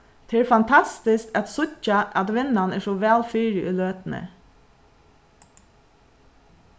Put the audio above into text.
tað er fantastiskt at síggja at vinnan er so væl fyri í løtuni